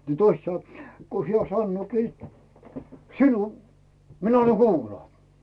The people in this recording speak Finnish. niin toiset sanoo kun hän sanookin sinulle minä anna kuulaa